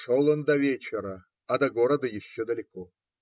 Шел он до вечера, а до города еще далеко.